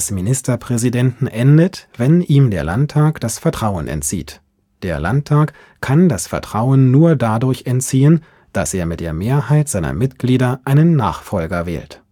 Ministerpräsidenten endet, wenn ihm der Landtag das Vertrauen entzieht. Der Landtag kann das Vertrauen nur dadurch entziehen, dass er mit der Mehrheit seiner Mitglieder einen Nachfolger wählt